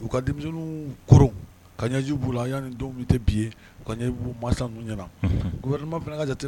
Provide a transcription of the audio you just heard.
U ka denmisɛn kɔrɔ ka ɲɛji bolo a y'a ni denw tɛ bi ye ka ɲɛ mansa ɲɛna bɛ jate ten